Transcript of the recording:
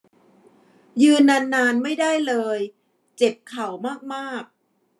ยืนนานนานไม่ได้เลยเจ็บเข่ามากมาก